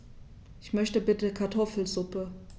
Ich möchte bitte Kartoffelsuppe.